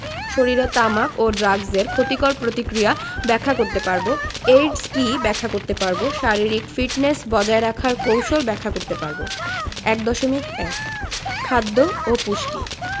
⦁ শরীরে তামাক ও ড্রাগসের ক্ষতিকর প্রতিক্রিয়া ব্যাখ্যা করতে পারব ⦁ এইডস কী ব্যাখ্যা করতে পারব ⦁ শারীরিক ফিটনেস বজায় রাখার কৌশল ব্যাখ্যা করতে পারব ১.১ খাদ্য ও পুষ্টি